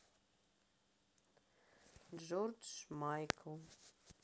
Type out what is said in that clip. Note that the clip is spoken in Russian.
джордж майкл